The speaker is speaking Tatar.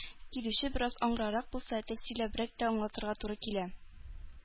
Килүче бераз аңгырарак булса, тәфсилләбрәк тә аңлатырга туры килә.